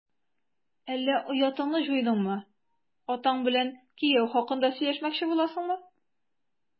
Әллә оятыңны җуйдыңмы, атаң белән кияү хакында сөйләшмәкче буласыңмы? ..